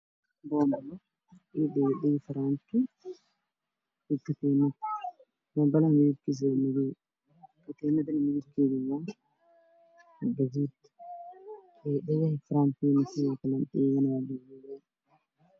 Nin ayaa qabo jijin buluug ah naanta caddaana katiinaad madow ah shaati cadow ah sarway madow